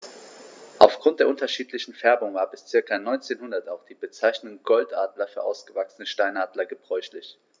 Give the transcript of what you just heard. Auf Grund der unterschiedlichen Färbung war bis ca. 1900 auch die Bezeichnung Goldadler für ausgewachsene Steinadler gebräuchlich.